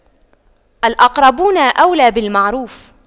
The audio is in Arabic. الأقربون أولى بالمعروف